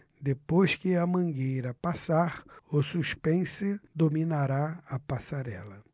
depois que a mangueira passar o suspense dominará a passarela